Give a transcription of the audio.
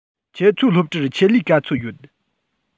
ཁྱོད ཚོའི སློབ གྲྭར ཆེད ལས ག ཚོད ཡོད